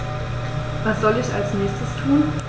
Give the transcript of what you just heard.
Was soll ich als Nächstes tun?